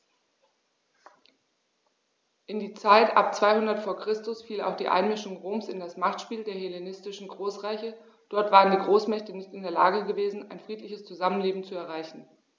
In die Zeit ab 200 v. Chr. fiel auch die Einmischung Roms in das Machtspiel der hellenistischen Großreiche: Dort waren die Großmächte nicht in der Lage gewesen, ein friedliches Zusammenleben zu erreichen.